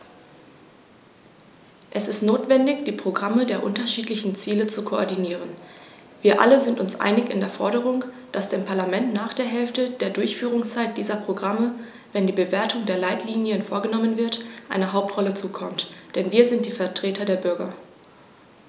Es ist notwendig, die Programme der unterschiedlichen Ziele zu koordinieren. Wir alle sind uns einig in der Forderung, dass dem Parlament nach der Hälfte der Durchführungszeit dieser Programme, wenn die Bewertung der Leitlinien vorgenommen wird, eine Hauptrolle zukommt, denn wir sind die Vertreter der Bürger.